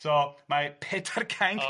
So mae Pedair Cainc o ocê.